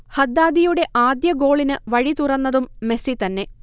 ഹദ്ദാദിയുടെ ആദ്യ ഗോളിന് വഴി തുറന്നതും മെസ്സി തന്നെ